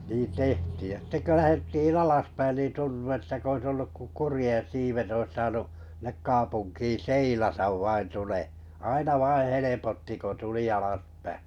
niin tehtiin ja sitten kun lähdettiin alaspäin niin tuntui että kuin olisi ollut kuin kurjen siivet olisi saanut sinne kaupunkiin seilata vain - aina vain helpotti kun tuli alaspäin